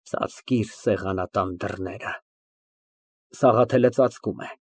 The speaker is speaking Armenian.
Ծածկիր սեղանատան դռները։ (Սաղաթելը ծածկում է)։